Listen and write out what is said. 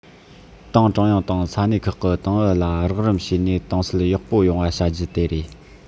ཏང ཀྲུང དབྱང དང ས གནས ཁག གི ཏང ཨུ ལ རོགས རམ བྱས ནས ཏང སྲོལ ཡག པོ ཡོང བ བྱ རྒྱུ དེ རེད